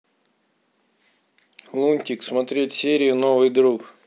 лунтик смотреть серию новый друг